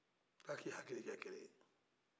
ko a ka hakili kɛ kelen ye